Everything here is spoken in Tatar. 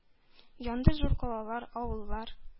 Янды зур калалар, авыллар.